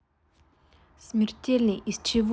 смертельный из чего наташа